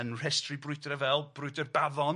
Yn rhestru brwydre fel brwydr Baddon.